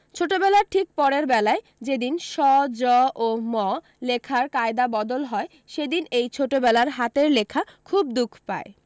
ছোটোবেলার ঠিক পরের বেলায় যেদিন স জ ও ম লেখার কায়দা বদল হয় সেদিন এই ছোটোবেলার হাতের লেখা খুব দুখ পায়